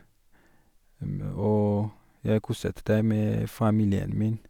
Og jeg koset deg med familien min.